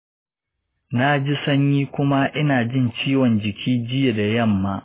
na ji sanyi kuma ina jin ciwon jiki jiya da yamma.